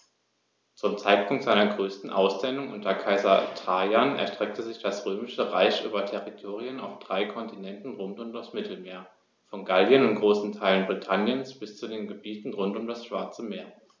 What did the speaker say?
Zum Zeitpunkt seiner größten Ausdehnung unter Kaiser Trajan erstreckte sich das Römische Reich über Territorien auf drei Kontinenten rund um das Mittelmeer: Von Gallien und großen Teilen Britanniens bis zu den Gebieten rund um das Schwarze Meer.